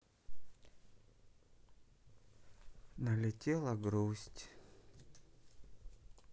налетела грусть